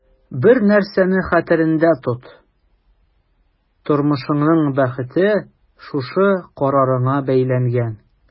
Бер нәрсәне хәтерендә тот: тормышыңның бәхете шушы карарыңа бәйләнгән.